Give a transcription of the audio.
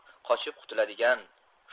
qochib qutuladigan